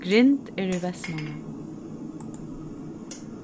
grind er í vestmanna